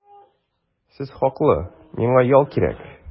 Сез хаклы, миңа ял кирәк.